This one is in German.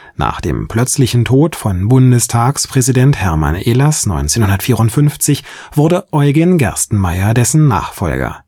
Nach dem plötzlichen Tod von Bundestagspräsident Hermann Ehlers 1954 wurde Eugen Gerstenmaier dessen Nachfolger